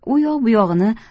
u yoq bu yog'ini